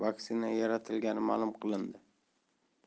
vaksina yaratilgani ma'lum qilindi